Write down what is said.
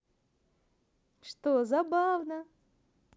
что забавно